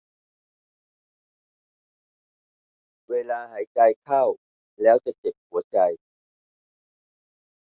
เวลาหายใจเข้าแล้วจะเจ็บหัวใจ